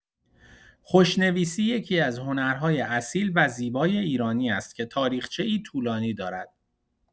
خوشنویسی یکی‌از هنرهای اصیل و زیبای ایرانی است که تاریخچه‌ای طولانی دارد.